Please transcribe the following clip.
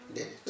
déedéet